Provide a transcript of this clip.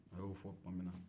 a y'o fɔ tuma minna